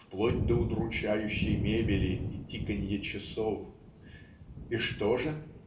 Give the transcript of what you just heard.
вплоть до удручающей мебели и тиканья часов. И что же?